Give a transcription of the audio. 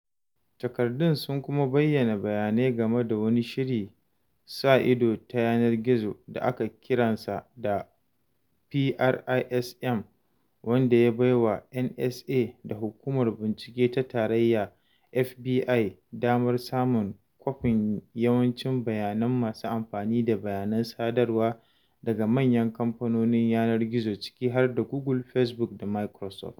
Takardun sun kuma bayyana bayanai game da wani shirin sa ido ta yanar gizo da aka kira da PRISM, wanda ya bai wa NSA da Hukumar Bincike ta Tarayya (FBI) damar samun kwafin yawancin bayanan masu amfani da bayanan sadarwa daga manyan kamfanonin yanar gizo, ciki har da Google, Facebook, da Microsoft.